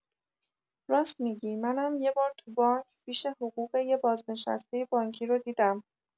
راس می‌گی منم یه بار تو بانک فیش حقوق یه بازنشسته بانکی رو دیدم